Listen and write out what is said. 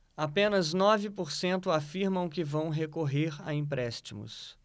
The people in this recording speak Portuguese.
apenas nove por cento afirmam que vão recorrer a empréstimos